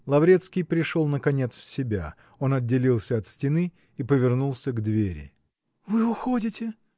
Лаврецкий пришел, наконец, в себя; он отделился от стопы и повернулся к двери. -- Вы уходите?